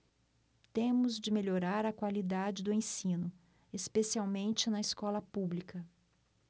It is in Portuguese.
temos de melhorar a qualidade do ensino especialmente na escola pública